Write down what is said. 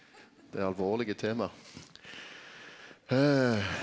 det er alvorlege tema .